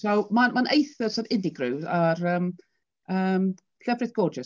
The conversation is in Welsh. So mae mae'n eithaf unigryw a'r yym yym llefrith gorgeous.